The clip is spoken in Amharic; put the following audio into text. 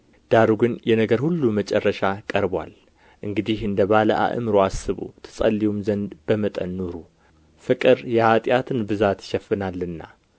ዳሩ ግን የነገር ሁሉ መጨረሻ ቀርቦአል እንግዲህ እንደ ባለ አእምሮ አስቡ ትጸልዩም ዘንድ በመጠን ኑሩ ፍቅር የኃጢአትን ብዛት ይሸፍናልና